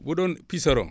bu doon puceron